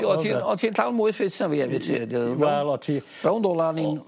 ...O't ti'n o' ti'n llawn mwy ffit na fi efyd . Wel o't ti . Rownd ola o'n i'n